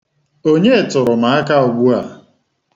Onye tụrụ m aka ugbua?